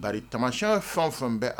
Bari tamasiya fɛn fɛn bɛɛ